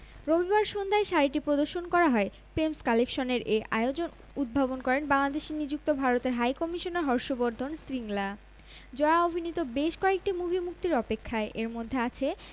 রবিবার সন্ধ্যায় শাড়িটি প্রদর্শন করা হয় প্রেমস কালেকশনের এ আয়োজন উদ্বোধন করেন বাংলাদেশে নিযুক্ত ভারতের হাইকমিশনার হর্ষ বর্ধন শ্রিংলা জয়া অভিনীত বেশ কয়েকটি ছবি মুক্তির অপেক্ষায় এর মধ্যে আছে